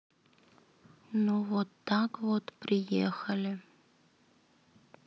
ну вот так вот приехали